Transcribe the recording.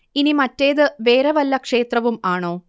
ഇനി മറ്റേത് വേറെ വല്ല ക്ഷേത്രവും ആണോ